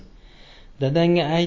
dadangga ayt